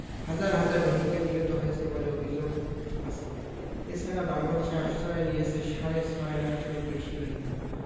হাজার হাজার রোহিঙ্গা নিহত হয়েছে বলে অভিযোগ আছে এ ছাড়া বাংলাদেশে আশ্রয় নিয়েছে সাড়ে ছয় লাখেরও বেশি রোহিঙ্গা